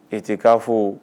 E tɛ'a fɔ fo